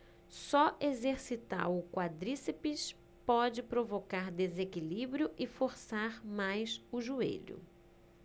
só exercitar o quadríceps pode provocar desequilíbrio e forçar mais o joelho